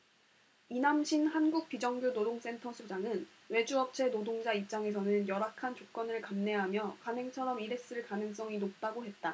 이남신 한국비정규노동센터 소장은 외주업체 노동자 입장에서는 열악한 조건을 감내하며 관행처럼 일했을 가능성이 높다고 했다